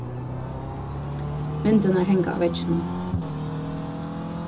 myndirnar hanga á vegginum